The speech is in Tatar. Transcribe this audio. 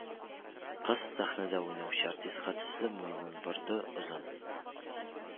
Кыз, сәхнәдә уйнаучы артистка төсле, муенын борды, озын